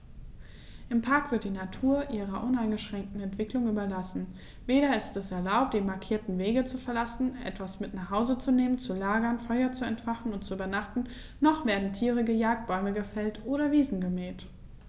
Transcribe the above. Im Park wird die Natur ihrer uneingeschränkten Entwicklung überlassen; weder ist es erlaubt, die markierten Wege zu verlassen, etwas mit nach Hause zu nehmen, zu lagern, Feuer zu entfachen und zu übernachten, noch werden Tiere gejagt, Bäume gefällt oder Wiesen gemäht.